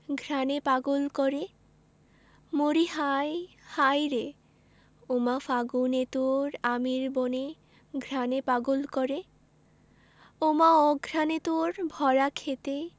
ঘ্রাণে পাগল করে মরিহায় হায়রে ওমা ফাগুনে তোর আমের বনে ঘ্রাণে পাগল করে ওমা অঘ্রানে তোর ভরা ক্ষেতে